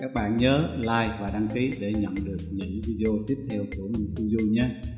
các bạn nhớ like và đăng ký để nhận được những video tiếp theo của kênh minh phiêu du nhé